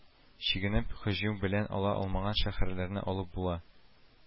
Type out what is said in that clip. Чигенеп, һөҗүм белән ала алмаган шәһәрләрне алып була